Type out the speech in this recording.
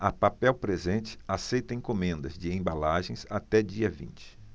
a papel presente aceita encomendas de embalagens até dia vinte